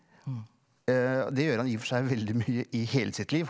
det gjør han i for seg veldig mye i hele sitt liv.